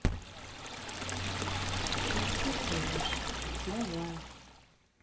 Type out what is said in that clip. ну че стоишь давай